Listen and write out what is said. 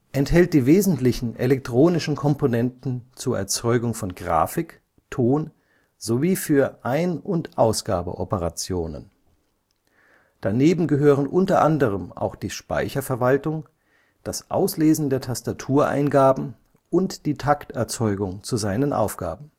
enthält die wesentlichen elektronischen Komponenten zur Erzeugung von Grafik, Ton sowie für Ein - und Ausgabeoperationen. Daneben gehören u.a. auch die Speicherverwaltung, das Auslesen der Tastatureingaben und die Takterzeugung zu seinen Aufgaben